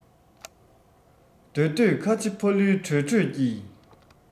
འདོད འདོད ཁ ཆེ ཕ ལུའི གྲོས གྲོས ཀྱི